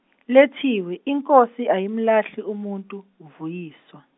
Lethiwe inkosi ayimlahli umuntu Vuyiswa.